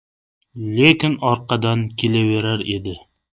lekin orqamdan kelaverar edi